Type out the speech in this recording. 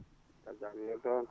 mbaar jam ne toon